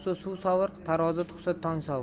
tarozi tug'sa tong sovir